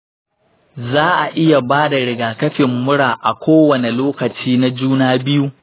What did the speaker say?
za a iya ba da rigakafin mura a kowane lokaci na juna biyu.